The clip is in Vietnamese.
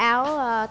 áo